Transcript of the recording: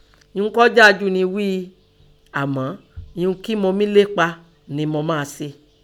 Ihun kọ́ dáa jù lọ nẹ ghí , àmọ́ ihun kẹ́ mọ mi lépa nẹ mọ máa se